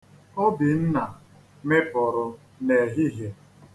Obinna mịpụrụ n'ehihie.